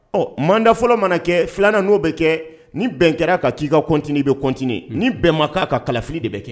Ɔ mandat fɔlɔ mana kɛ 2 nan n'o bɛ kɛ ni bɛn kɛr'a kan k'i ka continuer i be continuer ni bɛn ma k'a kan kalafili de bɛ kɛ